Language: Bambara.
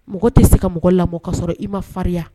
Mɔgɔ tɛ se ka mɔgɔ lamɔbɔ ka sɔrɔ i ma faririnya